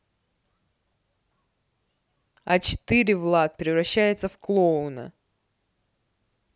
а четыре влад превращается в клоуна